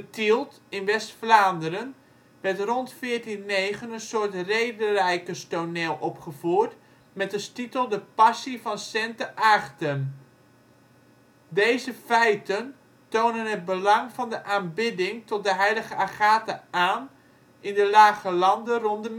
Tielt in West-Vlaanderen werd rond 1409 een soort rederijkerstoneel opgevoerd met als titel De passie van Sente-Aegten. Deze feiten tonen het belang van de aanbidding tot de heilige Agatha aan in de Lage Landen rond de